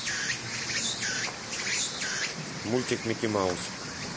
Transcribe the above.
мультик микки маус